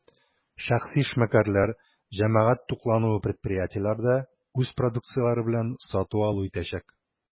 Шәхси эшмәкәрләр, җәмәгать туклануы предприятиеләре дә үз продукцияләре белән сату-алу итәчәк.